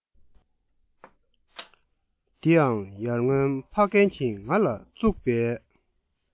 འདི ཡང ཡར སྔོན ཕ རྒན གྱིས ང ལ བཙུགས པའི